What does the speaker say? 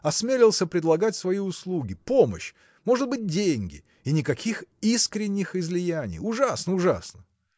– осмелился предлагать свои услуги. помощь. может быть, деньги! и никаких искренних излияний! ужасно, ужасно!